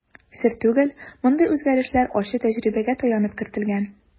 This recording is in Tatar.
Сер түгел, мондый үзгәрешләр ачы тәҗрибәгә таянып кертелгән.